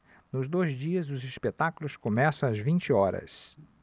nos dois dias os espetáculos começam às vinte horas